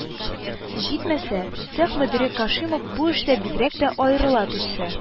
Җитмәсә, цех мөдире Кашимов бу эштә бигрәк тә аерыла төшсә